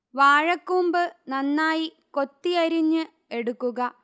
വാഴ കൂമ്പ് നന്നായി കൊത്തി അരിഞ്ഞു എടുക്കുക